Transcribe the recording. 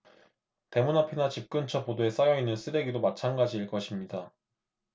대문 앞이나 집 근처 보도에 쌓여 있는 쓰레기도 마찬가지일 것입니다